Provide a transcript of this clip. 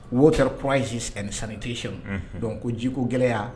Wo taarari kura yesi san tɛyɛn don ko jiko gɛlɛya